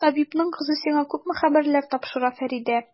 Табибның кызы сиңа күпме хәбәрләр тапшыра, Фәридә!